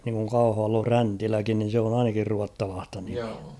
niin kuin Kauhavalla on Fräntiläkin niin se on ainakin ruotsalaista nimeä